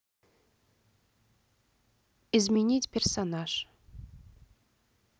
изменить персонаж